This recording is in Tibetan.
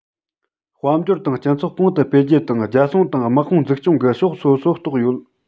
དཔལ འབྱོར དང སྤྱི ཚོགས གོང དུ སྤེལ རྒྱུ དང རྒྱལ སྲུང དང དམག དཔུང འཛུགས སྐྱོང གི ཕྱོགས སོ སོ གཏོགས ཡོད